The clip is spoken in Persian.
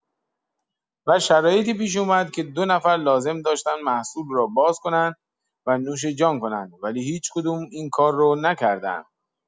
و شرایطی پیش اومد که دو نفر لازم داشتن محصول رو باز کنن و نوش‌جان کنن ولی هیچ کدوم این کارو نکردن!